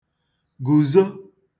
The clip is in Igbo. gùzo